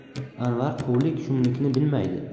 anvar quvlik shumlikni bilmaydi